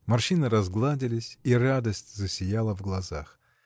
Морщины разгладились, и радость засияла в глазах.